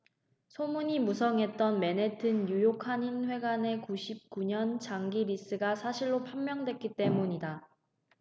소문이 무성했던 맨해튼 뉴욕한인회관의 구십 구 년 장기리스가 사실로 판명됐기때문이다